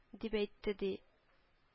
— дип әйтте, ди